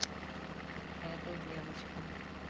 эта девочка